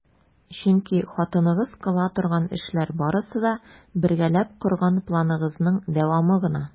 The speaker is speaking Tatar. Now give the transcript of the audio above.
Чөнки хатыныгыз кыла торган эшләр барысы да - бергәләп корган планыгызның дәвамы гына!